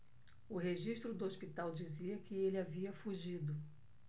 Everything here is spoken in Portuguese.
o registro do hospital dizia que ele havia fugido